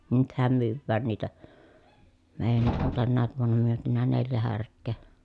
nythän myydään niitä meidänkin on tänäkin vuonna myyty neljä härkää